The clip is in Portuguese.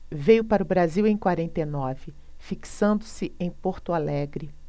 veio para o brasil em quarenta e nove fixando-se em porto alegre